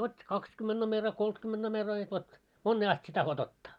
otti kaksikymmentä numero kolmekymmentä numero ja vot moneen asti sinä tahdot ottaa